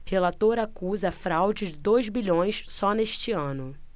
relator acusa fraude de dois bilhões só neste ano